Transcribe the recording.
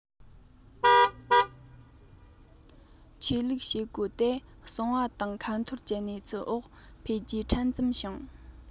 ཆོས ལུགས བྱེད སྒོ དེ གསང བ དང ཁ ཐོར གྱི གནས ཚུལ འོག འཕེལ རྒྱས ཕྲན ཙམ བྱུང